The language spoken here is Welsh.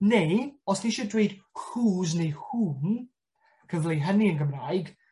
Neu os ni isie dweud who's neu whom, cyfleu hynny yn Gymraeg,